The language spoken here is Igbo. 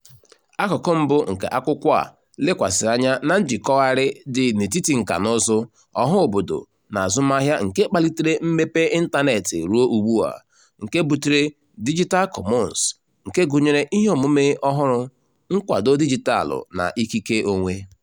Akụkụ mbụ nke akwụkwọ a lekwasịrị anya na njikọgharị dị n'etiti nkànaụzụ, ọhaobodo na azụmahịa nke kpalitere mmepe ịntaneetị ruo ugbu a, nke butere "Digital Commons" nke gụnyere iheomume ọhụrụ, nkwado dịjịtaalụ, na ikike onwe.